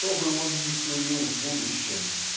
что бы он ни сулил в будущем